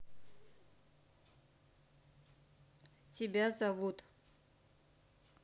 тебя зовут